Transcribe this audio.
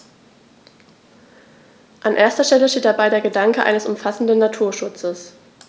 An erster Stelle steht dabei der Gedanke eines umfassenden Naturschutzes.